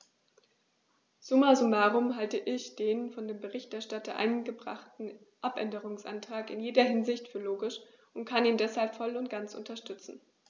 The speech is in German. Summa summarum halte ich den von dem Berichterstatter eingebrachten Abänderungsantrag in jeder Hinsicht für logisch und kann ihn deshalb voll und ganz unterstützen.